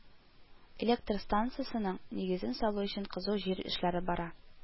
Электр станцасының нигезен салу өчен кызу җир эшләре бара